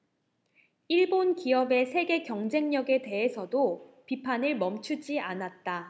일본 기업의 세계 경쟁력에 대해서도 비판을 멈추지 않았다